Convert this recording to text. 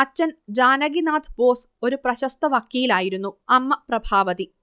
അച്ഛൻ ജാനകിനാഥ് ബോസ് ഒരു പ്രശസ്ത വക്കീലായിരുന്നു അമ്മ പ്രഭാവതി